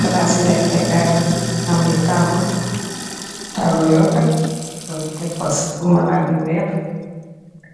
Palaci lekke kaay la bu ameh tabale taabul yu refet u teg faa bu malaani yu weex